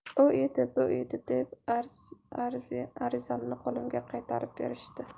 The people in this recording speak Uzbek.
u edi bu edi deb arizamni qo'limga qaytarib berishadi